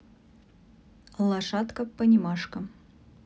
лошадка понимашка